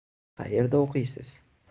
qayerda o'qiysiz